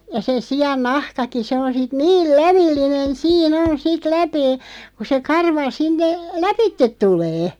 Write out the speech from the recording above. ja se sian nahkakin se on sitten niin lävellinen siinä on sitten läpeä kun se karva sinne lävitse tulee